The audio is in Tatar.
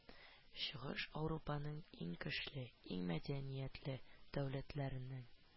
Чыгыш аурупаның иң көчле, иң мәдәниятле дәүләтләренең